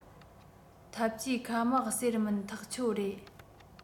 འཐབ ཇུས མཁའ དམག ཟེར མིན ཐག ཆོད རེད